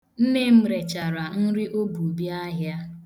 Nne m rechara nri o bu bịa ahịa.